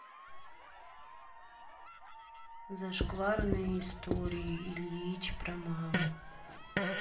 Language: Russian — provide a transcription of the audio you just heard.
зашкварные истории ильич про маму